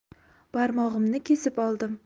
barmog'imni kesib oldim